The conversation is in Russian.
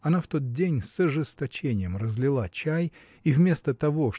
Она в тот день с ожесточением разлила чай и вместо того